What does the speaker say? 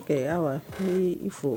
Ɛɛ Awa n b'i i fo